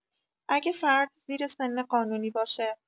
اگه فرد زیر سن قانونی باشه